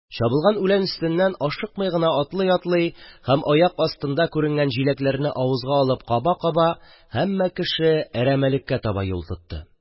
Чабылган үлән өстеннән ашыкмый гына атлый-атлый һәм аяк астында күренгән җиләкләрне авызга алып каба-каба, һәммә кеше әрәмәлеккә таба юл тотты.